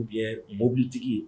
U bɛ mobilitigi ye